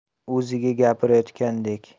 o'ziga gapirayotgandek